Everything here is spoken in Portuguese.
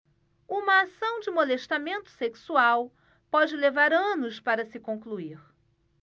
uma ação de molestamento sexual pode levar anos para se concluir